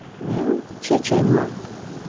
men chechenman